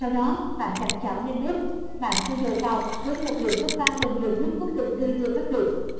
sau đó bạn đặt chảo lên bếp bạn cho dầu vào với một lượng gấp lần lượng nước cốt gừng tươi vừa vắt được